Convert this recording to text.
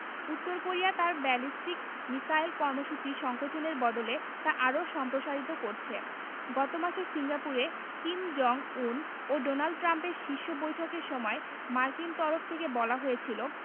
উত্তর কোরিয়া তার ballistic missile কর্মসূচি সংকোচনের বদলে তা আরও সম্প্রসারিত করছে গত মাসে সিঙ্গাপুরে কিম জং উন ও ডোনাল্ড ট্রাম্পের শীর্ষ বৈঠকের সময় মার্কিন তরফ থেকে বলা হয়েছিল